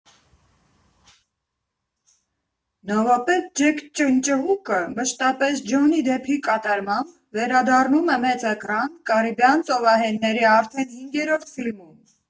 Նավապետ Ջեք Ճնճղուկը (մշտապես Ջոնի Դեփի կատարմամբ) վերադառնում է մեծ էկրան՝ «Կարիբյան ծովահենների» արդեն հինգերորդ ֆիլմում։